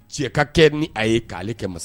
Tiyɛ ka kɛ ni a ye k'ale kɛ masa